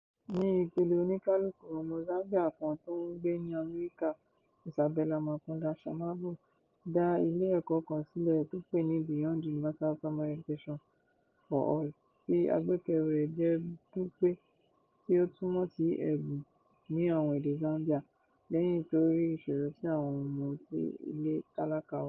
Ní ipele òníkálùkù, ọmọ Zambia kan tó ń gbé ní Amerika, Isabella Mukanda Shamambo, dá ilé ẹ̀kọ́ kan sílẹ̀ tó pè ní Beyond Universal Primary Education for All tí àgékùrú rẹ̀ jẹ́ BUPE (tí ó túmọ̀ sí "ẹ̀bùn" ní àwọn èdè Zambia) lẹ́yìn tó rí ìṣòro àwọn ọmọ tó ti ilé tálákà wá.